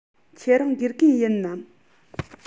ཁྱེད རང དགེ རྒན ཡིན ནམ